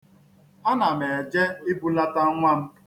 Ana m eje ibulata nnwa a.